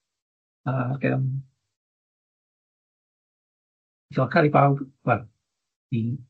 ag yym diolchgar i bawb wel i...